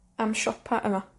am siopa yma.